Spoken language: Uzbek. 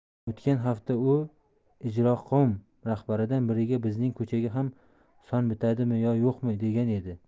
o'tgan hafta u ijroqo'm rahbaridan biriga bizning ko'chaga ham son bitadimi yo yo'qmi degan edi